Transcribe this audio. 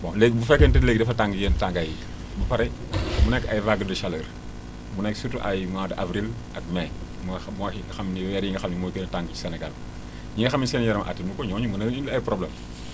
bon léegi bu fekkente ni léegi dafa tàng yenn tàngaay yi ba pare mu nekk ay vagues de chaleur mu nekk surtout ay mois de avril ak mai mooy mooy xam ni weer yi nga xam ne mooy gën a tàng ci Sénégal ñi nga xam ni seen yaram attanu ko ñooñu mën na leen indil ay problème